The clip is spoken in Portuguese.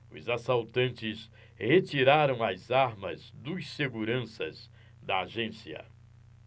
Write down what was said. os assaltantes retiraram as armas dos seguranças da agência